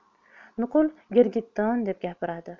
nuqul girgitton deb gapiradi